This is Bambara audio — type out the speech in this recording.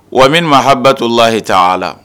Wa min ma habato la h tan a la